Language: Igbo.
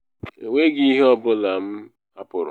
“Enweghi ihe ọ bụla m hapụrụ.”